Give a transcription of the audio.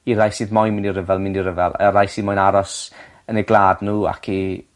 i'r rai sydd moyn mynd i ryfel mynd i ryfel. Y rai sy moyn aros yn eu gwlad n'w ac i